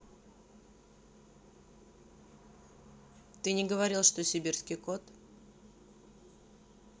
ты не говорил что сибирский кот